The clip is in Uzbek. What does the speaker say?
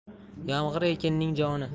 yomg'ir ekinning joni